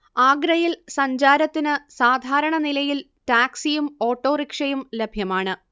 ആഗ്രയിൽ സഞ്ചാരത്തിന് സാധാരണ നിലയിൽ ടാക്സിയും ഓട്ടോറിക്ഷയും ലഭ്യമാണ്